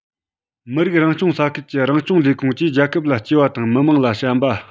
མི རིགས རང སྐྱོང ས ཁུལ གྱི རང སྐྱོང ལས ཁུངས ཀྱིས རྒྱལ ཁབ ལ གཅེས པ དང མི དམངས ལ བྱམས པ